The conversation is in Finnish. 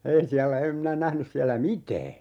ei siellä en minä nähnyt siellä mitään